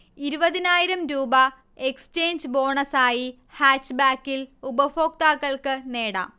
ഇരുപതിനായിരം രൂപ എക്സ്ചേഞ്ച് ബോണസായി ഹാച്ച്ബാക്കിൽ ഉപഭോക്താക്കൾക്ക് നേടാം